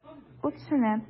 Ут сүнә.